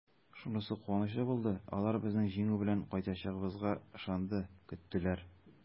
Шунысы куанычлы булды: алар безнең җиңү белән кайтачагыбызга ышанды, көттеләр!